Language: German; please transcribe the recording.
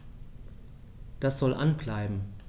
Das soll an bleiben.